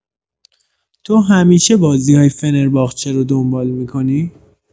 تو همیشه بازی‌های فنرباغچه رو دنبال می‌کنی؟